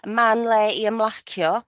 Man le i ymlacio